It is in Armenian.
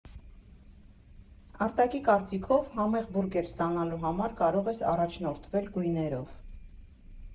Արտակի կարծիքով՝ համեղ բուրգեր ստանալու համար կարող ես առաջնորդվել գույներով։